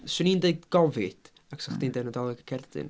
'Swn i'n deud Gofid achos oedd... y ....chdi'n deud Nadolig y Cerdyn.